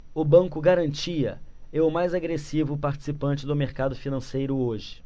o banco garantia é o mais agressivo participante do mercado financeiro hoje